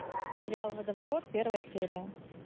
сериал водоворот первая серия